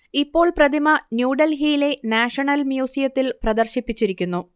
ഇപ്പോൾ പ്രതിമ ന്യൂഡൽഹിയിലെ നാഷണൽ മ്യൂസിയത്തിൽ പ്രദർശിപ്പിച്ചിരിക്കുന്നു